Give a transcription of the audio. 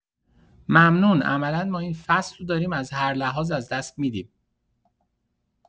ممنون عملا ما این فصل رو داریم از هر لحاظ از دست می‌دیم.